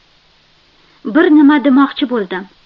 bir nima demoqchi bo'ldim